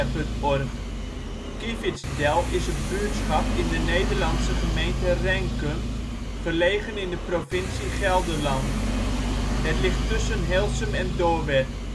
OL Kievitsdel Plaats in Nederland Situering Provincie Gelderland Gemeente Renkum Coördinaten 51° 59′ NB, 5° 47′ OL Portaal Nederland Beluister (info) Kievitsdel is een buurtschap in de Nederlandse gemeente Renkum, gelegen in de provincie Gelderland. Het ligt tussen Heelsum en Doorwerth